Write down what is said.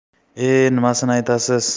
e nimasini aytasiz